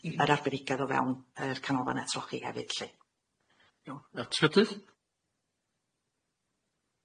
yym ma'r arbenigedd o fewn yr Canolfanna Trochi hefyd lly.